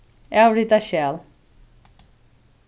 avrita skjal